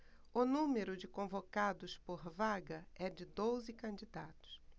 o número de convocados por vaga é de doze candidatos